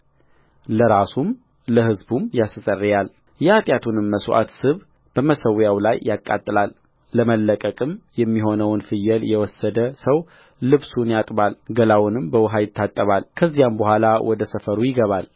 ለራሱም ለሕዝቡም ያስተሰርያልየኃጢያቱንም መስዋዕት ስብ በመሰዊያው ላይ ያቃጥለዋልለመለቀቅ የሚሆነውን ፍየል የወሰደ ሰው ልብሱን ያጥባል ገላውንም በውኃ ይታጠባል ከዚያም በኋላ ወደ ሰፈሩ ይገባል